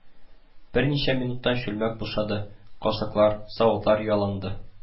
Берничә минуттан чүлмәк бушады, кашыклар, савытлар яланды